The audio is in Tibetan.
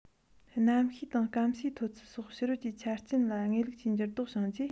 གནམ གཤིས དང སྐམ སའི མཐོ ཚད སོགས ཕྱི རོལ གྱི ཆ རྐྱེན ལ དངོས ལུགས ཀྱི འགྱུར ལྡོག བྱུང རྗེས